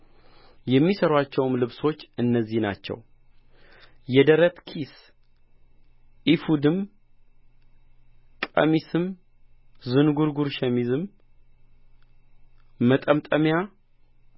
የሚሠሩአቸውም ልብሶች እነዚህ ናቸው የደረት ኪስ ኤፉድም ቀሚስም ዝንጕርጕር ሸሚዝም መጠምጠሚያም